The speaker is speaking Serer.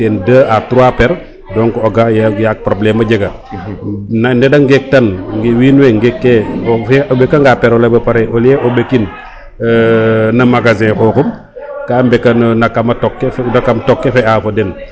rek te fi ten 2 a 3 per donc ga ya probleme a jega nede ngeek tan wiin we ngeek ke o ɓeka nga pero le bo pare au lieu o ɓekin na magazin xoxum ka ɓekano yo na kama tog ke kam tog ke fe a fo den